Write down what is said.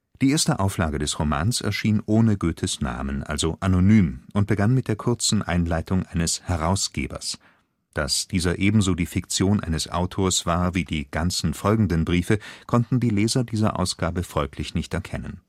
Die erste Auflage des Romans erschien ohne Goethes Namen, also anonym, und begann mit der kurzen Einleitung eines „ Herausgebers “. Dass dieser ebenso die Fiktion eines Autors war wie die ganzen folgenden Briefe, konnten die Leser dieser Ausgabe folglich nicht erkennen